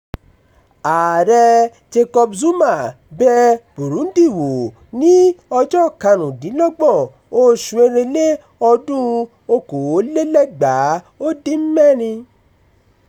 Ààrẹ Jacob Zuma bẹ Burundi wo ní 25, oṣù Èrèlé ọdún 2016.